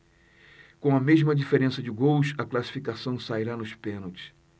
com a mesma diferença de gols a classificação sairá nos pênaltis